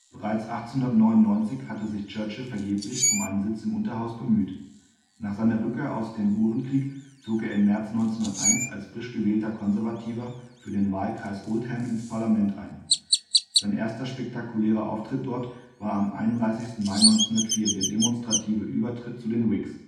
Bereits 1899 hatte sich Churchill vergeblich um einen Sitz im Unterhaus bemüht. Nach seiner Rückkehr aus dem Burenkrieg zog er im März 1901 als frischgewählter Konservativer (Tory) für den Wahlkreis Oldham ins Parlament ein. Sein erster spektakulärer Auftritt dort war am 31. Mai 1904 der demonstrative Übertritt zu den Whigs